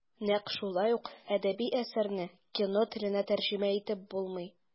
Нәкъ шулай ук әдәби әсәрне кино теленә тәрҗемә итеп булмый.